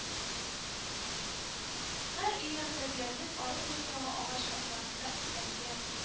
Һәр өй янында диярлек арык буендагы агач асларында эскәмия